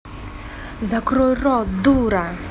закрой рот дура